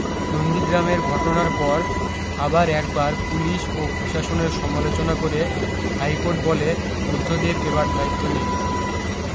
নন্দীগ্রামের ঘটনার পর আবার একবার পুলিশ ও প্রশাসনের সমালোচনা করে হাইকোর্ট বলে বুদ্ধদেব এবার দায়িত্ব নিন